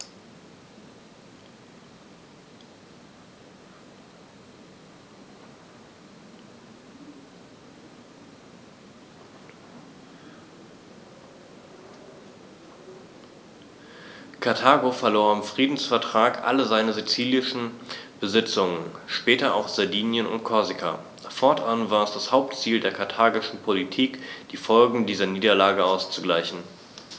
Karthago verlor im Friedensvertrag alle seine sizilischen Besitzungen (später auch Sardinien und Korsika); fortan war es das Hauptziel der karthagischen Politik, die Folgen dieser Niederlage auszugleichen.